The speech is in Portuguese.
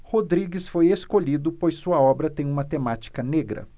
rodrigues foi escolhido pois sua obra tem uma temática negra